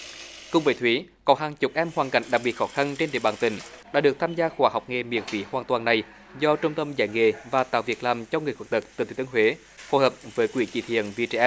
cùng với thúy còn hàng chục em hoàn cảnh đặc biệt khó khăn trên địa bàn tỉnh đã được tham gia khóa học nghề miễn phí hoàn toàn này do trung tâm dạy nghề và tạo việc làm cho người khuyết tật tỉnh thừa thiên huế phối hợp với quỹ từ thiện vì trẻ em